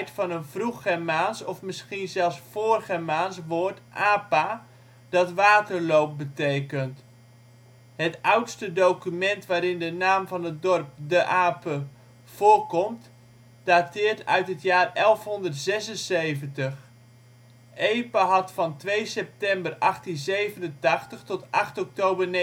van een vroeg-Germaans of misschien zelfs vòòr-Germaans woord * apa, dat " waterloop " betekent. Het oudste document waarin de naam van het dorp " de Ape " voorkomt, dateert uit het jaar 1176. Epe had van 2 september 1887 tot 8 oktober 1950